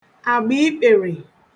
àgbàikpèrè